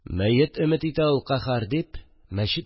«мәет өмет итә ул, каһәр» дип мәчет